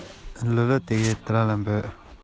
སེམས པ ཡང གྲང འུར རེ བྱས